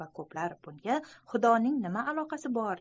va ko'plar bunga xudoning nima aloqasi bor